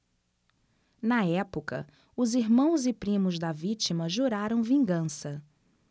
na época os irmãos e primos da vítima juraram vingança